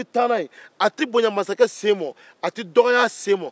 i bɛ taa n'a ye a tɛ bonya masakɛ sen ma a tɛ dɔgɔya a ma